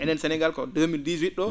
enen Sénégal ko 2018 ?o